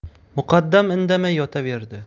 muqaddam indamay yotaverdi